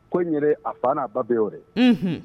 Ko in yɛrɛɛ a fa n'a ba bɛ y'o de ye unhun